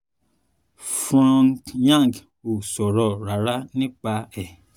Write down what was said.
Pyongyang ‘ò sọ̀rọ̀ ràrà nípa ẹ̀.